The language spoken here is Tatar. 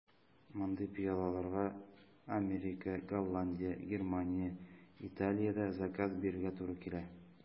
Мондый пыялаларга Америка, Голландия, Германия, Италиядә заказ бирергә туры килә.